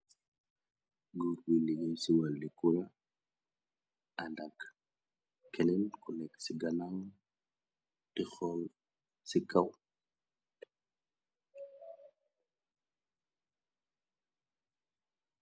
Goor buy liggéey ci walli kura andakk keneen ku nekk ci ganan di xoow ci kaw.